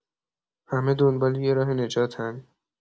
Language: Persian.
همه دنبال یه راه نجاتن.